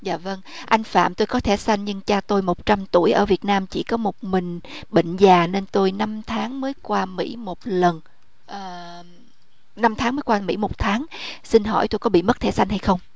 dạ vâng anh phạm tôi có thẻ xanh nhưng cha tôi một trăm tuổi ở việt nam chỉ có một mình bệnh già nên tôi năm tháng mới qua mỹ một lần ờ năm tháng mới qua mỹ một tháng xin hỏi tôi có bị mất thẻ xanh hay không